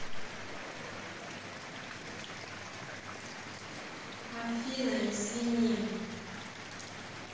афина извини